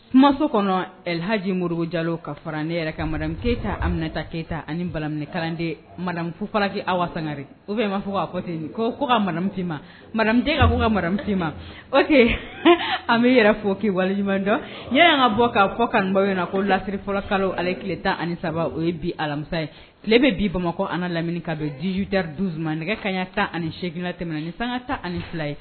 Tuso kɔnɔhaji mori jalo ka fara ne yɛrɛ ka keyita aminata keyita ani balimaminɛkadenffalaki aw wa sangari o bɛ maa fɔte ko ko kamu tema ka bɔu ka maramu tema o an bɛ yɛrɛ fɔ k' waliɲuman dɔn n y' ka bɔ k' kɔ kanubagawy na ko lasri fɔlɔ kalolo ale tile tan ani saba o ye bi alamisa ye tile bɛ bi bamakɔ ani lamini ka bɛ jiju dari dsuman nɛgɛ kaɲa tan ani8gginina tɛmɛn ni sanka tan ani fila ye